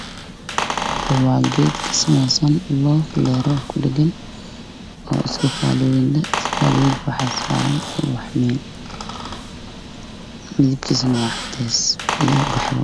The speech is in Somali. Waa geed ka samaysan love leer geesaha oo ku dhex jiraan shaambo midabkiisana waa qaxwi iyo cadays